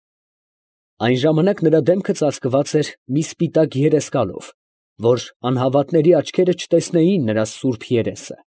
Այն Ժամանակ նրա դեմքը ծածկված էր մի սպիտակ երեսկալով, որ անհավատների աչքերը չտեսնեին նրա սուրբ երեսը։